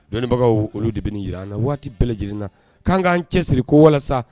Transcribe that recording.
Dɔnnibagaw olu de bɛ jira an na waati bɛɛ jira na k'an k'an cɛ siri ko walasa